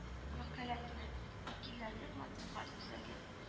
Вәкаләтне вәкилләрнең матбугат үзәге